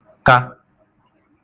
ka